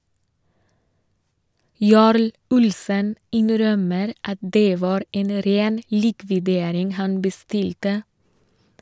Jarl Olsen innrømmer at det var en ren likvidering han bestilte.